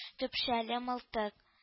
Көпшәле мылтык